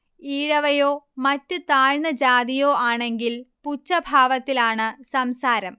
ഈഴവയോ മറ്റ് താഴ്ന്ന ജാതിയോ ആണെങ്കിൽ പുച്ഛഭാവത്തിലാണ് സംസാരം